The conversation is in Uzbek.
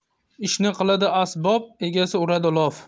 ishni qiladi asbob egasi uradi lof